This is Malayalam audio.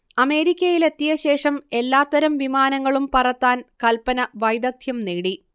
അമേരിക്കയിലെത്തിയ ശേഷം എല്ലാത്തരം വിമാനങ്ങളും പറത്താൻ കൽപന വൈദഗ്‌ദ്ധ്യം നേടി